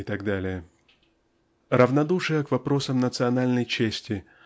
и т.д. "Равнодушие к вопросам национальной чести